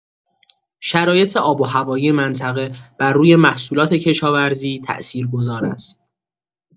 شرایط آب و هوایی منطقه بر روی محصولات کشاورزی تاثیرگذار است.